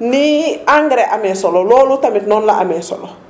ni engrais amee solo loolu tamit noonu la amee solo